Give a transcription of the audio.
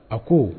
A ko